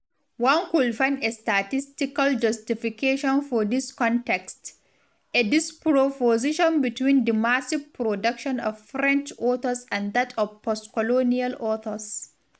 One could find a statistical justification for this context: a disproportion between the massive production of French authors and that of post-colonial authors.